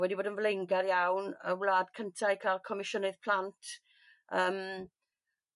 wedi bod yn flaengar iawn y wlad cynta i ca'l comisiynydd plant yym